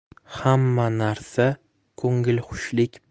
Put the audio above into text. hamma narsa kongilxushlik